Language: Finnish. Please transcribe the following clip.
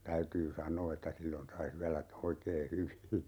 täytyy sanoa että silloin sai syödä oikein hyvin